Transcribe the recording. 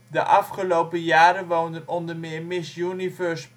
De afgelopen jaren woonden onder meer Miss Universe